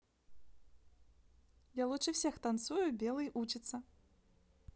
я лучше всех танцую белый учиться